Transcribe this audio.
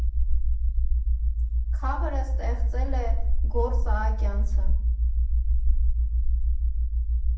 Քավըրը ստեղծել է Գոռ Սահակյանցը։